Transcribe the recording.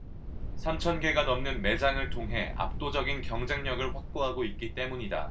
삼천 개가 넘는 매장을 통해 압도적인 경쟁력을 확보하고 있기 때문이다